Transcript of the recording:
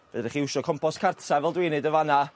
fedrych chi iwsio compost cartra fel dwi'n neud yn fan 'na